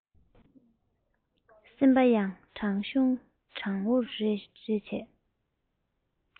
སེམས པ ཡང གྲང འུར རེ བྱས